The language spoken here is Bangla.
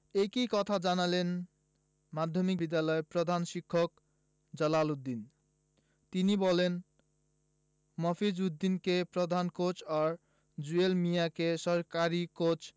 একই কথা জানালেন মাধ্যমিক বিদ্যালয়ের প্রধান শিক্ষক জালাল উদ্দিন তিনি বলেন মফিজ উদ্দিনকে প্রধান কোচ ও জুয়েল মিয়াকে সহকারী কোচ